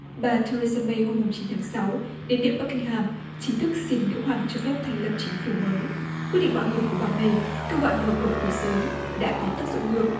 bà the re sa mây hôm mùng chín tháng sáu đến điện bắc king ham chính thức xin nữ hoàng cho phép thành lập chính phủ mới quyết định mạo hiểm của bà mây kêu gọi mở bầu cử sớm đã có tác dụng ngược